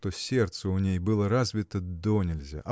что сердце у ней было развито донельзя